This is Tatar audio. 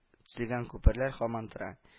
Төзегән күперләр һаман тора, и